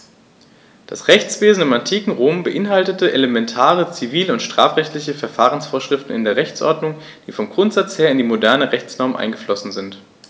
Das Rechtswesen im antiken Rom beinhaltete elementare zivil- und strafrechtliche Verfahrensvorschriften in der Rechtsordnung, die vom Grundsatz her in die modernen Rechtsnormen eingeflossen sind.